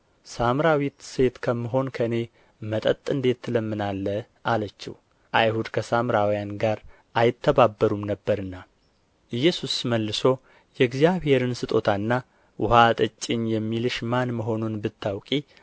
ሳምራዊት ሴት ከምሆን ከእኔ መጠጥ እንዴት ትለምናለህ አለችው አይሁድ ከሳምራውያን ጋር አይተባበሩም ነበርና ኢየሱስ መልሶ የእግዚአብሔርን ስጦታና ውኃ አጠጪኝ የሚልሽ ማን መሆኑንስ ብታውቂ